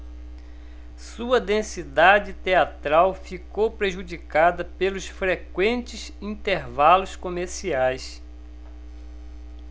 sua densidade teatral ficou prejudicada pelos frequentes intervalos comerciais